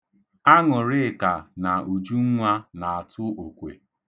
Aṅụrịka na Ụjụnwa na-atụ okwe.